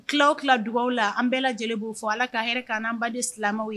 tila o tila dugaw la, an bɛɛ lajɛlen b'o fɔ Ala ka hɛrɛ k'an n'an baden silamɛw ye